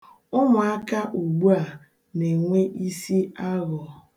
Ụmụaka ugbua na-enwe isi aghọ.